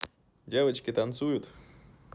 девочки танцуют